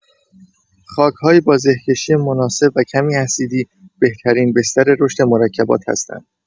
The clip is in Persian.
خاک‌های با زهکشی مناسب و کمی اسیدی بهترین بستر رشد مرکبات هستند.